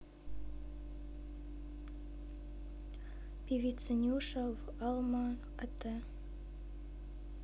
певица нюша в алма ате